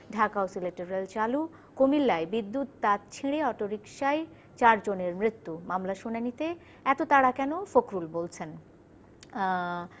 ঢাকা ও সিলেট এর রেল চালু কুমিল্লায় বিদ্যুৎ তার ছিল অটোরিকশায় চারজনের মৃত্যু মামলার শুনানিতে এত তাড়া কেন ফখরুল বলছেন